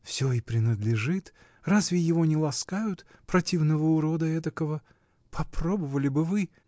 — Всё и принадлежит — разве его не ласкают, противного урода этакого! Попробовали бы вы.